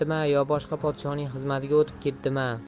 yo boshqa podshoning xizmatiga o'tib ketdima